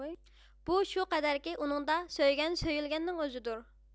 بۇ شۇ قەدەركى ئۇنىڭدا سۆيگەن سۆيۈلگەننىڭ ئۆزىدۇر